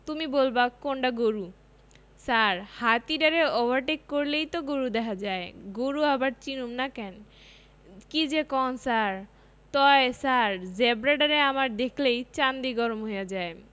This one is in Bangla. তুমি বলবা কোনডা গরু ছার হাতিডারে ওভারটেক করলেই তো গরু দেহা যায় গরু আবার চিনুম না কি যে কন ছার তয় ছার জেব্রাডারে আমার দেখলেই চান্দি গরম হয়া যায়